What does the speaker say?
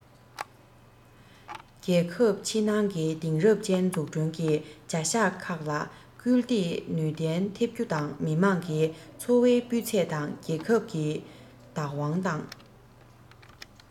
རྒྱལ ཁབ ཕྱི ནང གི དེང རབས ཅན འཛུགས སྐྲུན གྱི བྱ གཞག ཁག ལ སྐུལ འདེད ནུས ལྡན ཐེབས རྒྱུ དང མི དམངས ཀྱི འཚོ བའི སྤུས ཚད དང རྒྱལ ཁབ ཀྱི བདག དབང དང